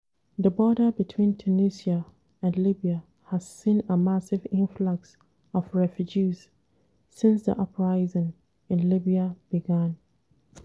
The border between Tunisia and Libya has seen a massive influx of refugees since the uprising in Libya began.